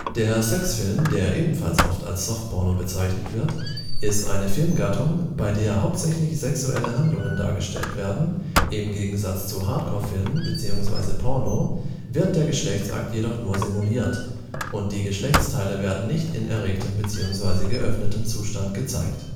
Der Sexfilm (der ebenfalls oft als „ Softporno “bezeichnet wird) ist eine Film-Gattung, bei der hauptsächlich sexuelle Handlungen dargestellt werden; im Gegensatz zum Hardcorefilm bzw. Porno wird der Geschlechtsakt jedoch nur simuliert und die Geschlechtsteile werden nicht in erregtem bzw. geöffnetem Zustand gezeigt